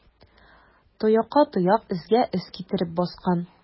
Тоякка тояк, эзгә эз китереп баскан.